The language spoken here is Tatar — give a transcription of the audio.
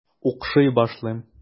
Укшый башлыйм.